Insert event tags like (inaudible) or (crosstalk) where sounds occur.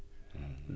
(hesitation) (hesitation)